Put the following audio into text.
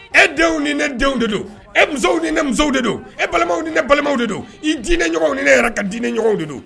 E denw ni ne denw de don ew ni ne de don e balimaw ni ne balimaw de don e dinɛ ɲɔgɔn ni ne yɛrɛ ka d diinɛ ɲɔgɔnw de don